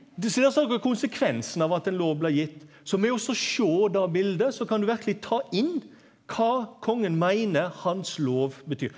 det ser ut konsekvensen av at ein lov blir gitt så med og så sjå det bildet så kan du verkeleg ta inn kva kongen meiner hans lov betyr.